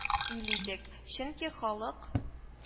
Ил идек, чөнки халык